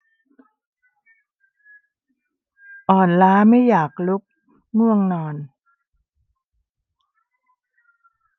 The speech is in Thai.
อ่อนล้าไม่อยากลุกง่วงนอน